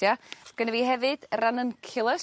Gynno fi hefyd Ranunculus.